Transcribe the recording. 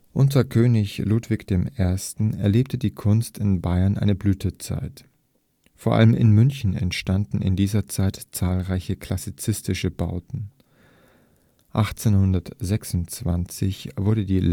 Unter König Ludwig I. erlebte die Kunst in Bayern eine Blütezeit. Vor allem in München entstanden in dieser Zeit zahlreiche klassizistische Bauten. 1826 wurde